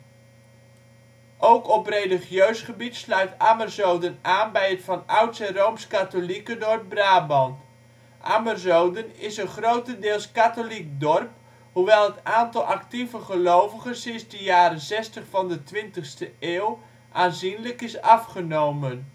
Ook op religieus gebied sluit Ammerzoden aan bij het van oudsher Rooms-katholieke Noord-Brabant. Ammerzoden is een grotendeels katholiek dorp, hoewel het aantal (actieve) gelovigen sinds de jaren zestig van de twintigste eeuw aanzienlijk is afgenomen